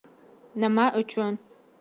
nima uchun